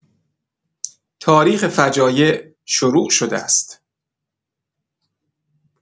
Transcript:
تاریخ فجایع شروع شده است.